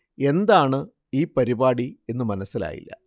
എന്താണ് ഈ പരിപാടി എന്നു മനസ്സിലായില്ല